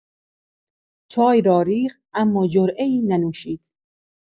چای را ریخت، اما جرعه‌ای ننوشید.